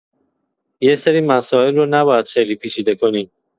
یه سری مسائل رو نباید خیلی پیچیده کنی؛